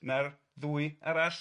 Na'r ddwy arall.